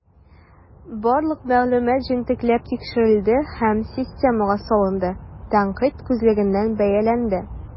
Барлык мәгълүмат җентекләп тикшерелде һәм системага салынды, тәнкыйть күзлегеннән бәяләнде.